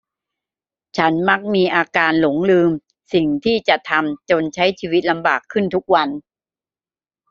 ฉันมักมีอาการหลงลืมสิ่งที่จะทำจนใช้ชีวิตลำบากขึ้นทุกวัน